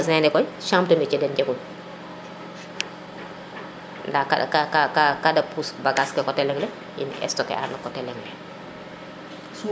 magazin koy chambre de metier den njegun nda ka ka ka de pousse bagage ke coté lene in stocké a no coté leŋ ne